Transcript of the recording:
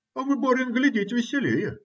- Вы, барин, глядите веселее!